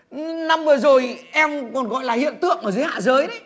năm vừa rồi em còn gọi là hiện tượng ở dưới hạ giới đấy